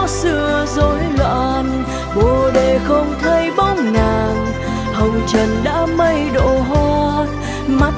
tiếng mõ xưa rối loạn bồ đề không nghe tiếng nàng hồng trần đã mấy độ hoa